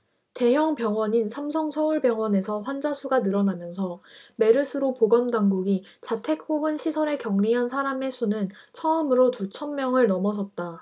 대형 병원인 삼성서울병원에서 환자수가 늘어나면서 메르스로 보건당국이 자택 혹은 시설에 격리한 사람의 수는 처음으로 두 천명을 넘어섰다